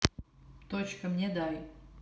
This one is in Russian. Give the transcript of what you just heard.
точка мне дай